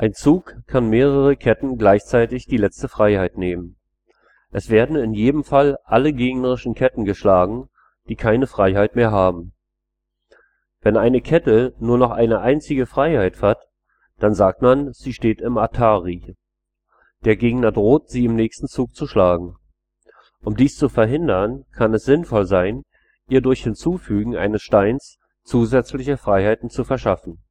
Zug kann mehreren Ketten gleichzeitig die letzte Freiheit nehmen. Es werden in jedem Fall alle gegnerischen Ketten geschlagen, die keine Freiheit mehr haben. Wenn eine Kette nur noch eine einzige Freiheit hat, dann sagt man, sie steht im Atari. Der Gegner droht, sie im nächsten Zug zu schlagen. Um dies zu verhindern, kann es sinnvoll sein, ihr durch Hinzufügen eines Steins zusätzliche Freiheiten zu verschaffen